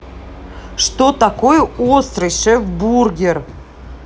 что такое острый шефбургер